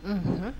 Unhun